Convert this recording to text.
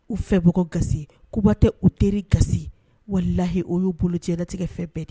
U fɛbagaw gasi, kuma tɛ u teri gasi , walayi o y'u bolo diɲɛlatigɛ fɛn bɛɛ de.